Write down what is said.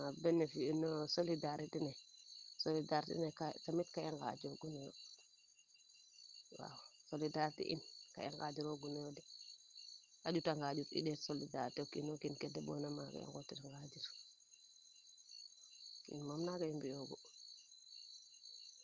na solidarité ne solidarité ka i ngaanj jo gunoyo waw solidarité in ka i ngajoogun oyo de a njuta nga njut i ndeet solidarité o kiino kiin ke deɓoona maaga i ngot ngaajir in moom naaga i mbi yoogu